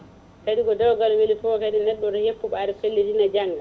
kadi ko dewgal weeli fo kadi neɗɗo woto haeppu ɓaade felliti ene jangga